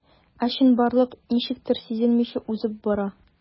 Ә чынбарлык ничектер сизелмичә узып бара.